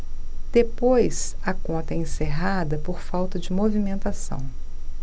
depois a conta é encerrada por falta de movimentação